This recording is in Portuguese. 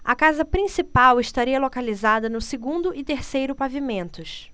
a casa principal estaria localizada no segundo e terceiro pavimentos